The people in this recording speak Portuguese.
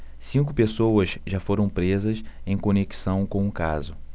cinco pessoas já foram presas em conexão com o caso